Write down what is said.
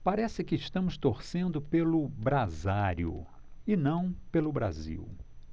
parece que estamos torcendo pelo brasário e não pelo brasil